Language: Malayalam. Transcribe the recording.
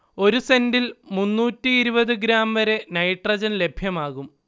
ഒരു സെന്റിൽ മുന്നൂറ്റിഇരുപത് ഗ്രാം വരെ നൈട്രജൻ ലഭ്യമാകും